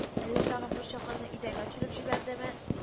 Әллә тагын бер чокырны идәнгә төшереп җибәрдеме